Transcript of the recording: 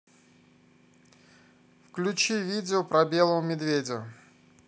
включи видео про белого медведя